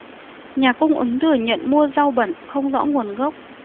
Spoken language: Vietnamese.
nhà cung ứng thừa nhận mua rau bẩn không rõ nguồn gốc